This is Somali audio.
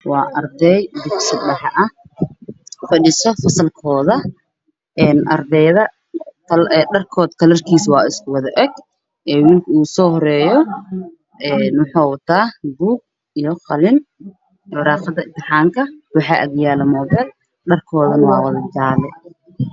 Waa arday dugsi dhexe ah fadhiso fasalkooda ardayda dharkooda kalarkiisa waa isku wada eg wiilka ugu soo horeeyo wuxuu wataa buug iyo qalin waraaqa Imtixaanka waxaa agyaalo moobeel dharkoodana waa wada jaalle.